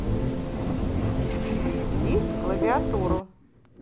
ввести клавиатуру